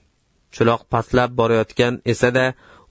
cho'loq pastlab borayotgan esa da